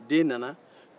den nana